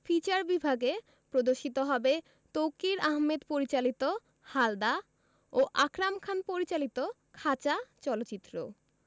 feature বিভাগে প্রদর্শিত হবে তৌকীর আহমেদ পরিচালিত হালদা ও আকরাম খান পরিচালিত খাঁচা চলচ্চিত্র